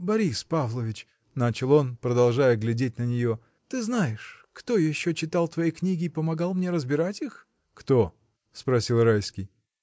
— Борис Павлович, — начал он, продолжая глядеть на нее, — ты знаешь, кто еще читал твои книги и помогал мне разбирать их?. — Кто? — спросил Райский.